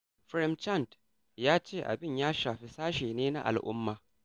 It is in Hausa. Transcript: Prem Chand ya ce abin ya shafi wani sashe ne na al'umma.